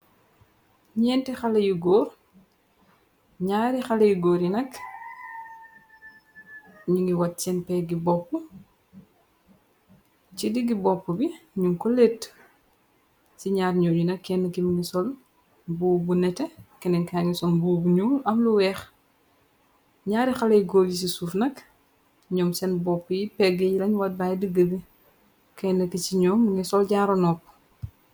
Nyeenti xalé yu góor ñaari xalé yu góor yi nak ñi ngi wat seen peggi bopp ci diggi bopp bi ñyung ko letti ci ñaar ñoo yu nak kenn ki mini sol mbobu bu nete kenenkaangi sol mbobu bu ñuul am lu weex ñaari xale yu góor yi ci suuf nak ñoom seen bopp yi pégg yi lañ wat bay digg bi kenn ki ci ñyoom mingi sol jaaro nopp.